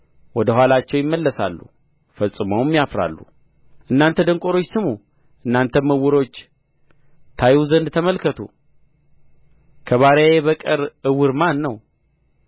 ወደ ኋላቸው ይመለሳሉ ፈጽመውም ያፍራሉ እናንተ ደንቆሮች ስሙ እናንተም ዕውሮች ታዩ ዘንድ ተመልከቱ ከባሪያዬ በቀር ዕውር ማን ነው